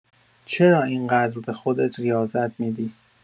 چرا این‌قدر به خودت ریاضت می‌دی؟